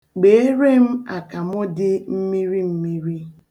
Gbeere m akamụ dị mmiri mmiri.